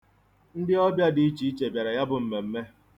Ndị ọbịa dị iche iche bịara ya bụ mmemme.